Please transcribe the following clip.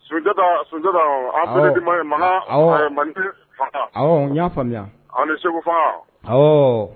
Sunjata sunjata an balima di ma ye ma man y'a faamuya aw ni segu faa ɔ